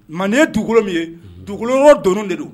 Manden ye dugukolo min ye unhun dugukoloo donen de do